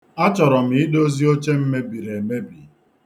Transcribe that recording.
Achọrọ m idozi oche m mebiri emebi.